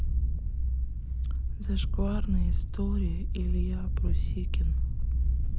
зашкварные истории илья прусикин